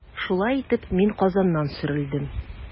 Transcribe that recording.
Шулай итеп, мин Казаннан сөрелдем.